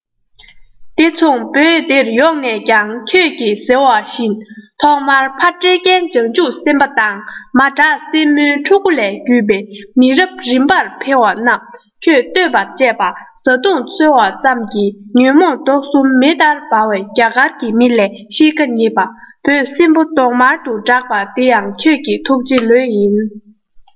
དེ མཚུངས བོད འདིར ཡོང ནས ཀྱང ཁྱོད ཀྱིས ཟེར བ བཞིན ཐོག མར ཕ སྤྲེལ རྒན བྱང ཆུབ སེམས དཔའ དང མ བྲག སྲིན མོའི ཕྲུ གུ ལས བརྒྱུད པའི མི རབས རིམ པར འཕེལ བ རྣམས ཁྱོད བལྟོས པར བཅས པ བཟའ བཏུང གསོལ བ ཙམ གྱིས ཉོན མོངས དུག གསུམ མེ ལྟར འབར བས རྒྱ གར གྱི མི ལས གཤིས ཀ ཉེས པས བོད སྲིན བུ གདོང དམར དུ གྲགས པ འདི ཡང ཁྱོད ཀྱི ཐུགས རྗེ ལོས ཡིན